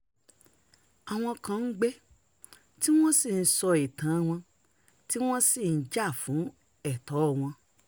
Àwọn kan ń gbé tí wọ́n sì ń sọ ìtàn-an wọn tí wọ́n sì ń jà fún ẹ̀tọ́ọ wọn.